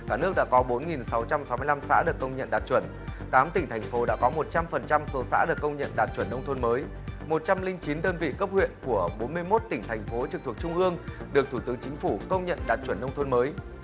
cả nước đã có bốn nghìn sáu trăm sáu mươi lăm xã được công nhận đạt chuẩn tám tỉnh thành phố đã có một trăm phần trăm số xã được công nhận đạt chuẩn nông thôn mới một trăm linh chín đơn vị cấp huyện của bốn mươi mốt tỉnh thành phố trực thuộc trung ương được thủ tướng chính phủ công nhận đạt chuẩn nông thôn mới